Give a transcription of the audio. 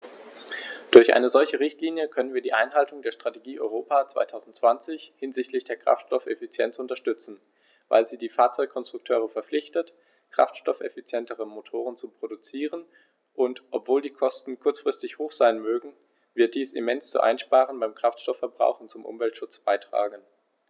Durch eine solche Richtlinie können wir die Einhaltung der Strategie Europa 2020 hinsichtlich der Kraftstoffeffizienz unterstützen, weil sie die Fahrzeugkonstrukteure verpflichtet, kraftstoffeffizientere Motoren zu produzieren, und obwohl die Kosten kurzfristig hoch sein mögen, wird dies immens zu Einsparungen beim Kraftstoffverbrauch und zum Umweltschutz beitragen.